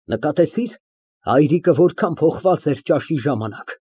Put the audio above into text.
Նկատեցի՞ր հայրիկը որքան փոխված էր ճաշի ժամանակ։